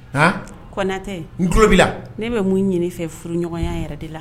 Kɔnnatɛ n tulo ne bɛ mun ɲinin fɛ furuɲɔgɔnya yɛrɛ de la